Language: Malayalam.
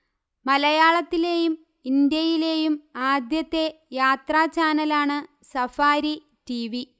മലയാളത്തിലെയും ഇന്ത്യയിലെയും ആദ്യത്തെ യാത്രാചാനലാണ് സഫാരി ടിവി